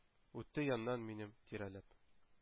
Үтте яннан, минем тирәләп.